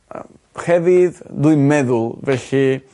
yym hefyd dwi'n meddwl, felly